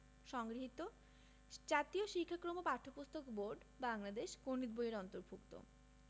সংগৃহীত জাতীয় শিক্ষাক্রম ও পাঠ্যপুস্তক বোর্ড বাংলাদেশ গণিত বই-এর অন্তর্ভুক্ত